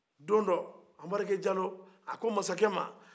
don dɔ anbarike jalo a ko masakɛ ma